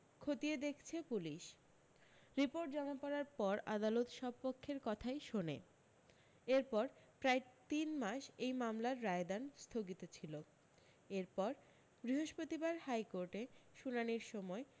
খতিয়ে দেখছে police report জমা পড়ার পর আদালত সব পক্ষের কথাই শোনে এরপর প্রায় তিন মাস এই মামলার রায়দান স্থগিত ছিল এরপর বৃহস্পতিবার হাইকোর্টে শুনানির সময়